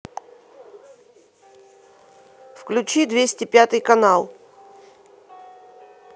включи двести пятый канал